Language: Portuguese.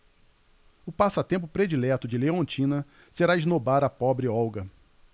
o passatempo predileto de leontina será esnobar a pobre olga